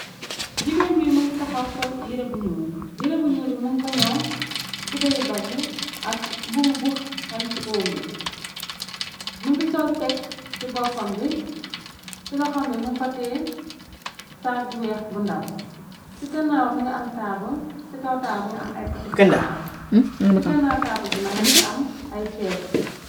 jigéen bi mi ngi taxaw sol yire bu ñuur yire bu ñuur bi mun koñaw tubeyi baggi ak mbubu bux am ci uum bi më ngi sol tekk ci boppam bi ci doxam bi mum fatee sàgg bu weex bu ndaw ci gannaawa mi nga am taab ci kawtaawa mi nga am ay pati fulawa ci ganna taabul bi nak mingi am ay seetu